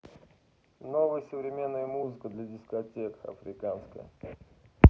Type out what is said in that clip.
новая современная музыка для дискотек африканская